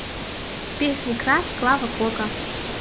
песня краш клава кока